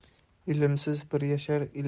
ilmsiz bir yashar